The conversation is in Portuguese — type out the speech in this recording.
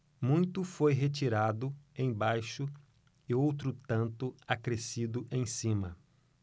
muito foi retirado embaixo e outro tanto acrescido em cima